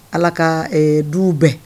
Ala ka ɛɛ duu bɛn